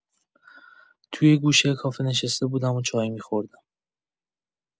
تو یه گوشه کافه نشسته بودم و چای می‌خوردم.